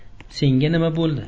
senga nima buldi